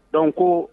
Don ko